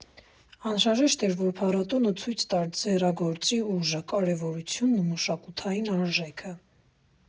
Անհրաժեշտ էր, որ փառատոնը ցույց տար ձեռագործի ուժը, կարևորությունն ու մշակութային արժեքը։